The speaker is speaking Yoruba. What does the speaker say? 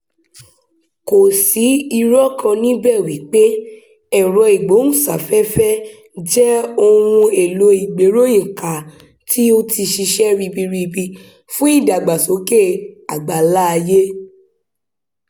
Kò sí irọ́ kan níbẹ̀ wípé Ẹ̀rọ-ìgbóhùnsáfẹ́fẹ́ jẹ́ ohun èlò ìgbéròyìn ká tí ó ti ṣiṣẹ́ ribiribi fún ìdàgbàsókè àgbà-ńlá ayé.